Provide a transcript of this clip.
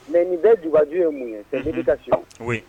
Mɛ nin bɛɛ jubaju ye mun ye' ka so koyi